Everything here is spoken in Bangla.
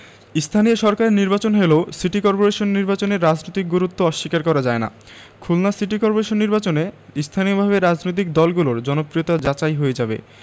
স্থানীয় সরকারের নির্বাচন হলেও সিটি করপোরেশন নির্বাচনের রাজনৈতিক গুরুত্ব অস্বীকার করা যায় না খুলনা সিটি করপোরেশন নির্বাচনে স্থানীয়ভাবে রাজনৈতিক দলগুলোর জনপ্রিয়তা যাচাই হয়ে যাবে